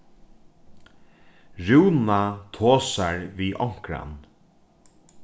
rúna tosar við onkran